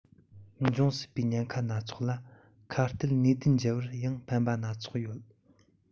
འབྱུང སྲིད པའི ཉེན ཁ སྣ ཚོགས ལ ཁ གཏད ནུས ལྡན འཇལ བར ཡང ཕན ཐོགས ཡོད